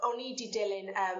o'n i 'di dilyn yym...